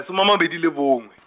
a soma a mabedi le bongwe .